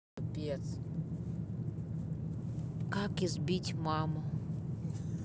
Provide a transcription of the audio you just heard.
как избить маму